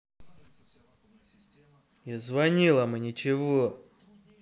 я звонила мы ничего